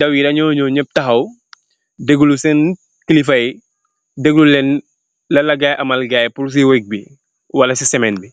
daww yee danu nyaw nyep tahaw deglo sen kelifa yee deglo len lan la gaaye amal gaye se week bi wala se semain be.